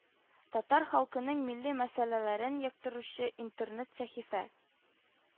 Татар халкының милли мәсьәләләрен яктыртучы интернет-сәхифә